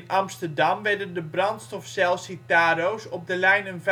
Amsterdam werden de brandstofcel-Citaro 's op de lijnen